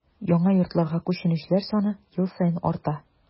Яңа йортларга күченүчеләр саны ел саен арта.